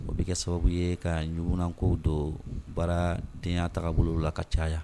O bɛ kɛ sababu ye ka ɲuman ko don baaradenya taabolo golo la ka caya